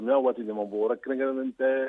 N' waatilima mabɔ kɛrɛnkɛrɛnin tɛ